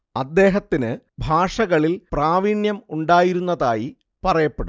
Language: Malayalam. അദ്ദേഹത്തിന് ഭാഷകളിൽ പ്രാവീണ്യം ഉണ്ടായിരുന്നതായി പറയപ്പെടുന്നു